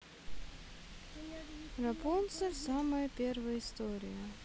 рапунцель самая первая история